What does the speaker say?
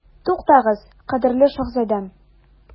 Туктагыз, кадерле шаһзадәм.